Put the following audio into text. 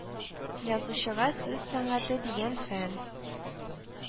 Язучыга сүз сәнгате дигән фән